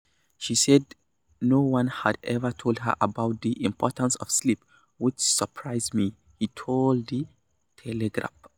She said no one had ever told her about the importance of sleep - which surprised me,' he told The Telegraph.